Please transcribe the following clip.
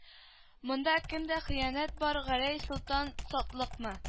Монда кемдә хыянәт бар гәрәй солтан сатлыкмы